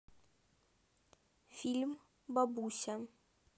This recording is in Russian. фильм бабуся